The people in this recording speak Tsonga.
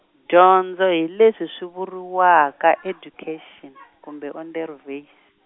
dyondzo hi leswi swi vuriwaka education , kumbe onderwys.